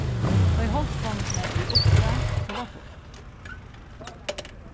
tá ið hálsbondini eru uppi so var fult